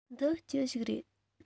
འདི ཅི ཞིག རེད